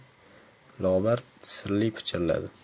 lobar sirli pichirladi